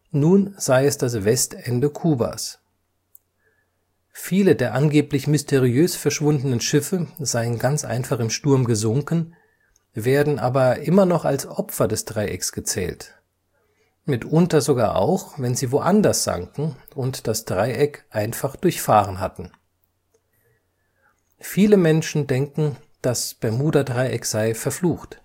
nun sei es das Westende Kubas. Viele der angeblich mysteriös verschwundenen Schiffe seien ganz einfach im Sturm gesunken, werden aber immer noch als Opfer des Dreiecks gezählt (mitunter sogar auch, wenn sie woanders sanken, und das Dreieck einfach durchfahren hatten). Viele Menschen denken, das Bermudadreieck sei „ verflucht